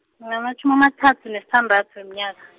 nginamatjhumi amathathu nesithandathu weminyaka.